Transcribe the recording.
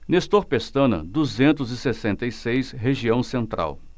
nestor pestana duzentos e sessenta e seis região central